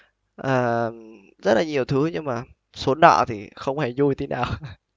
ờ rất là nhiều thứ nhưng mà số nợ thì không hề vui tí nào